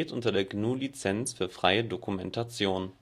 unter der GNU Lizenz für freie Dokumentation